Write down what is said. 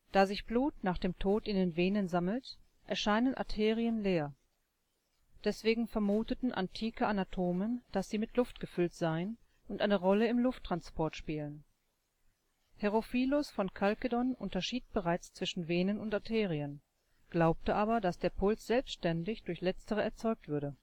Da sich Blut nach dem Tod in den Venen sammelt, erscheinen Arterien leer. Deswegen vermuteten antike Anatomen, dass sie mit Luft gefüllt seien und eine Rolle im Lufttransport spielen. Herophilos von Chalkedon unterschied bereits zwischen Venen und Arterien, glaubte aber, dass der Puls selbstständig durch Letztere erzeugt würde